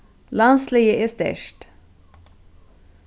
landsliðið er sterkt